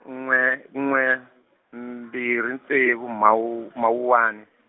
n'we n'we, mbirhi ntsevu mawu Mawuwani.